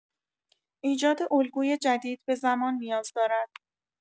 ایجاد الگوی جدید به زمان نیاز دارد.